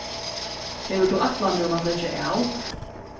hevur tú ætlanir um at leggja av